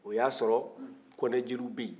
o y'a sɔrɔ kɔnɛ jeliw bɛ yen